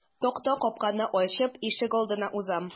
Такта капканы ачып ишегалдына узам.